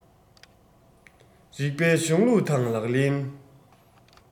རིགས པའི གཞུང ལུགས དང ལག ལེན